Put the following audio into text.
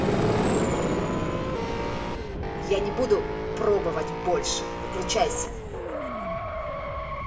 я не буду пробовать больше выключайся